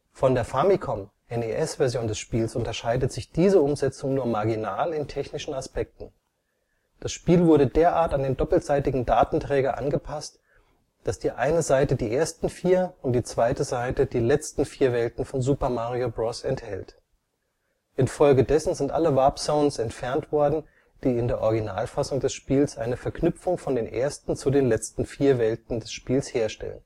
Von der Famicom -/ NES-Version des Spiels unterscheidet sich diese Umsetzung nur marginal in technischen Aspekten. Das Spiel wurde derart an den doppelseitigen Datenträger angepasst, dass die eine Seite die ersten vier und die zweite Seite die letzten vier Welten von Super Mario Bros. enthält. Infolgedessen sind alle Warp Zones entfernt worden, die in der Originalfassung des Spiels eine Verknüpfung von den ersten zu den letzten vier Welten des Spiels herstellen